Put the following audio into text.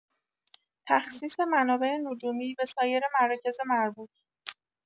تخصیص منابع نجومی به سایر مراکز مربوط